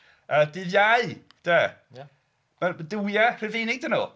A dydd Iau, 'de. Duwiau Rhufeinig dan nhw.